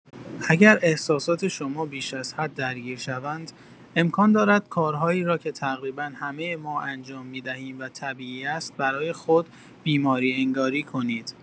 اگر احساسات شما بیش از حد درگیر شوند، امکان دارد کارهایی را که تقریبا همه ما انجام می‌دهیم و طبیعی است برای خود بیماری‌انگاری کنید.